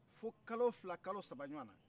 fo kalo fila kalo saba ɲwanna